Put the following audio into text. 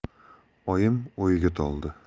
oyim o'yga toldi